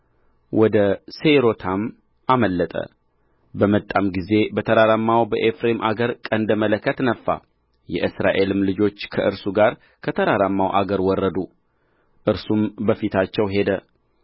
ወደ ሴይሮታም አመለጠ በመጣም ጊዜ በተራራማው በኤፍሬም አገር ቀንደ መለከት ነፋ የእስራኤልም ልጆች ከእርሱ ጋር ከተራራማው አገር ወረዱ እርሱም በፊታቸው ሄደ